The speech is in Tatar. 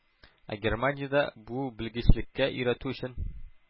Ә германиядә бу белгечлеккә өйрәтү өчен